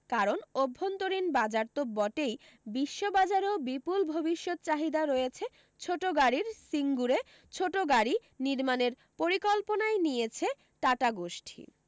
কারণ অভ্যন্তরীণ বাজার তো বটেই বিশ্ব বাজারেও বিপুল ভবিষ্যত চাহিদা রয়েছে ছোট গাড়ীর সিঙ্গুরে ছোট গাড়ী নির্মানের পরিকল্পনাই নিয়েছে টাটা গোষ্ঠী